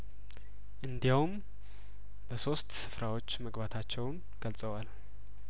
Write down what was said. እንዲያውም በሶስት ስፍራዎች መግባታቸውን ገልጸዋል